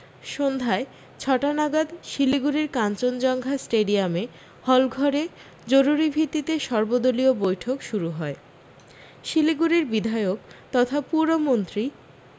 সন্ধ্যায় ছটা নাগাদ শিলিগুড়ির কাঞ্চনজঙ্ঘা স্টেডিয়ামে হলঘরে জরুরি ভিত্তিতে সর্বদলীয় বৈঠক শুরু হয় শিলিগুড়ির বিধায়ক তথা পুরমন্ত্রী